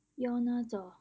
ย่อหน้าจอ